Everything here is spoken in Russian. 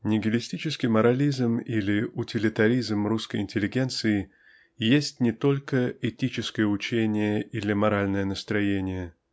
Нигилистический морализм или утилитаризм русской интеллигенции есть не только этическое учение или моральное настроение